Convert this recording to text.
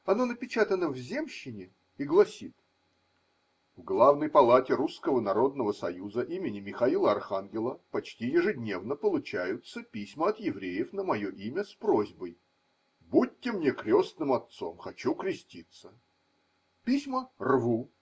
Оно напечатано в Земщине и гласит: В главной палате русского народного союза имени Михаила Архангела почти ежедневно получаются письма от евреев на мое имя с просьбой: будьте мне крестным отцом – хочу креститься. Письма рву.